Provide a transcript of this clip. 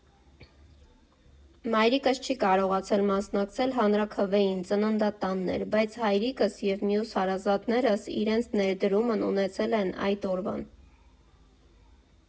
Մայրիկս չի կարողացել մասնակցել հանրաքվեին՝ ծննդատանն էր, բայց հայրիկս և մյուս հարազատներս իրենց ներդրումն ունեցել են այդ օրվան։